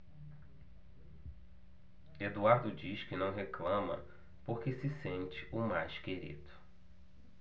eduardo diz que não reclama porque se sente o mais querido